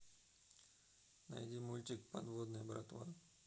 найди мультик подводная братва